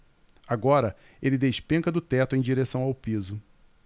agora ele despenca do teto em direção ao piso